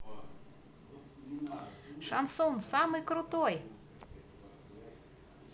шансон самый крутой